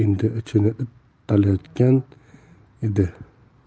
endi ichini it tatalayotgan edi